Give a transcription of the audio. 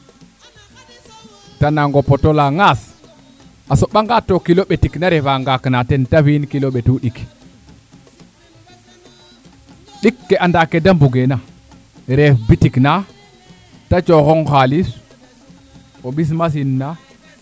te nango potola ngaas a soɓa nga to kilo ɓetik na refa ngaak na ten te fi'in kilo mbetu ɗik ɗike anda kede bugeena reef boutique na te coxong xalis o ɓis machine na